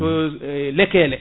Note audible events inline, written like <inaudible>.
<hesitation> lekkele